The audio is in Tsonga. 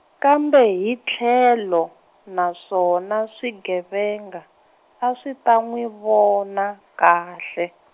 kambe hi tlhelo, na swona swigevenga, a swi ta n'wi vona, kahle .